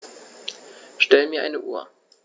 Stell mir eine Uhr.